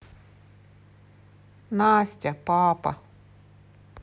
настя папа